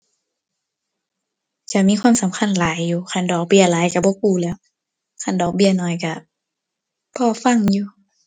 จะมีความสำคัญหลายอยู่ คันดอกเบี้ยหลายก็บ่กู้แหล้ว คันดอกเบี้ยน้อยก็พอฟังอยู่